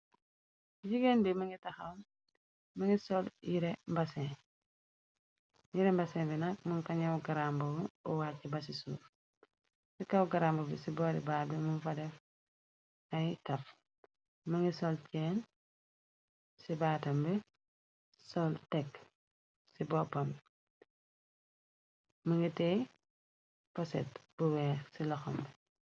Jigéen bi ma ngi taxaw yirembasin bi nak mun kañaw garambo uwaacc ba ci suuf ci kaw garambo bi ci boori baar bi mu fade ay taf më ngi sol ceen ci baatambi sol tekk ci boppambi ma ngi tey poset bu weex ci loxambi.